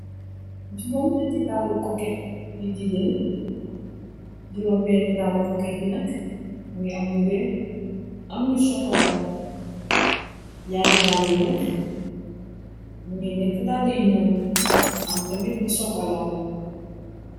Juróom nyatti dalli koket yu jigéen juróom benn dalli koket yi nak mungi am lu weex am lu sokola nyari dalli yi nak mu ngi nekk dalli yi ñuul am tamit lu sokola.